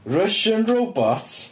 Russian Robot.